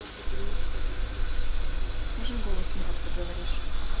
скажи голосом как ты говоришь